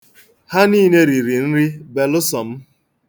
Ha niile riri nri, belụsọ m.